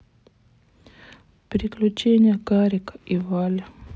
приключения карика и вали